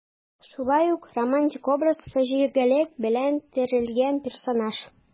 Шулай ук романтик образ, фаҗигалек белән төрелгән персонаж.